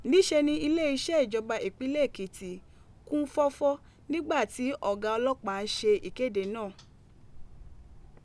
Niṣe ni ile iṣẹ ijọba ipinlẹ Èkìtì kun fọfọ nigba ti ọga ọlọpaa n ṣe ikede naa.